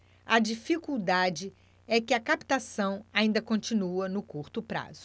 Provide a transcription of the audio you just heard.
a dificuldade é que a captação ainda continua no curto prazo